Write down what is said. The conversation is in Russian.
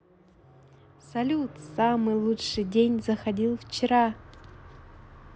салют самый лучший день заходил вчера